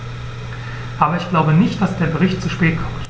Aber ich glaube nicht, dass der Bericht zu spät kommt.